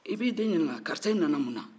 i b'i den ɲininka karisa i nana munna